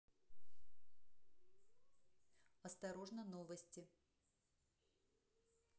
осторожно новости